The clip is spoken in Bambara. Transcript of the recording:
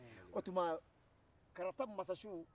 o tuma karata mansasiw